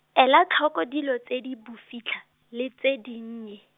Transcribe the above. ela tlhoko dilo tse di bofitlha, le tse dinnye.